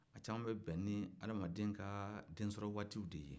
a caman bɛ bɛn ni adamaden ka densɔrɔwaatiw de ye